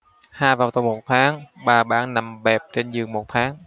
hà vào tù một tháng bà bảng nằm bẹp trên giường một tháng